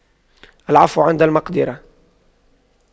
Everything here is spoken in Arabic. العفو عند المقدرة